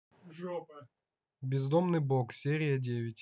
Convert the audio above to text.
бездомный бог серия девять